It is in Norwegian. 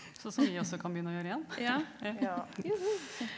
sånn som vi også kan begynne å gjøre igjen.